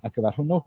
Ar gyfer hwnnw.